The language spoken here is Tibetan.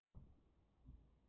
དགའ སྤྲོའི རྣམ པས ཁེངས བཞིན འདུག